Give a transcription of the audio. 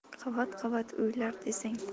qavat qavat uylar desang